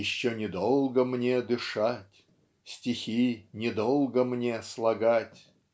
"еще недолго мне дышать, стихи недолго мне слагать".